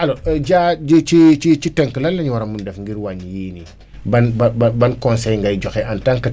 alors Dia ci ci ci tënk lan la ñu war a mun def ngir wàññi yii nii ban ban ban conseil ngay joxe en tant que